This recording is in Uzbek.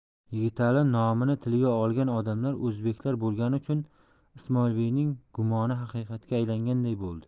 yigitali nomini tilga olgan odamlar o'zbeklar bo'lgani uchun ismoilbeyning gumoni haqiqatga aylanganday bo'ldi